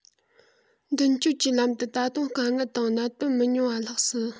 མདུན སྐྱོད ཀྱི ལམ དུ ད དུང དཀའ ངལ དང གནད དོན མི ཉུང བ ལྷགས སྲིད